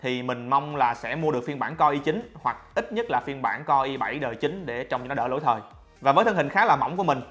thì mình mong là sẽ mua được phiên bản core i hoặc ít nhất là phiên bản core i đời để trông cho nó đỡ lỗi thời và với thân hình khá là mỏng của mình